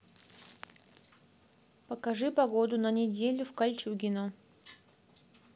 покажи погоду на неделю в кольчугино